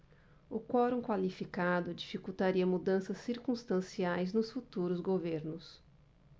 o quorum qualificado dificultaria mudanças circunstanciais nos futuros governos